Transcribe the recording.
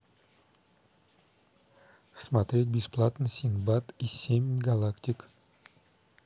смотреть бесплатно синбад и семь галактик